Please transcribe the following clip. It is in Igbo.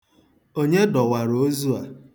Onye dọwara ozu a?